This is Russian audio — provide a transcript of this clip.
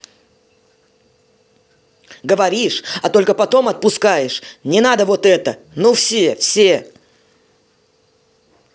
говоришь а только потом отпускаешь не надо вот это ну все все